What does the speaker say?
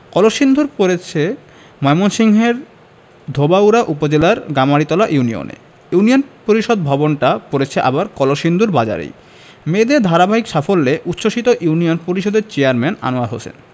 কলসিন্দুর পড়েছে ময়মনসিংহের ধোবাউড়া উপজেলার গামারিতলা ইউনিয়নে ইউনিয়ন পরিষদ ভবনটা পড়েছে আবার কলসিন্দুর বাজারেই মেয়েদের ধারাবাহিক সাফল্যে উচ্ছ্বসিত ইউনিয়ন পরিষদের চেয়ারম্যান আনোয়ার হোসেন